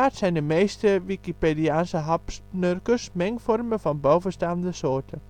zijn de meeste Wikipediaanse hapsnurkers mengvormen van de bovenstaande soorten